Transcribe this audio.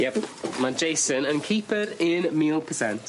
Yep, ma' Jason yn keeper un mil percent.